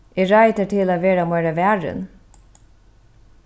eg ráði tær til at verið meira varin